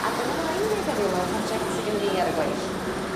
a dyna fydda i'n neud heddiw mewn prosiect sy gynno fi ar y gweill.